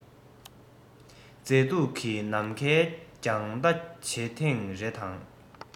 མཛེས སྡུག གི ནམ མཁའི རྒྱང ལྟ བྱེད ཐེངས རེ དང